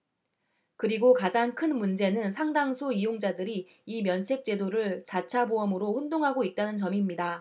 그리고 가장 큰 문제는 상당수 이용자들이 이 면책제도를 자차보험으로 혼동하고 있다는 점입니다